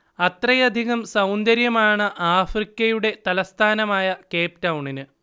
അത്രയധികം സൗന്ദര്യമാണ് ആഫ്രിക്കയുടെ തലസ്ഥാനമായ കേപ് ടൗണിന്